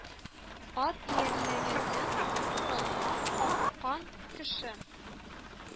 Ат иярләгәннән соң салмак аккан кеше